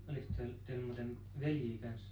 olikos teillä teillä muuten veljiä kanssa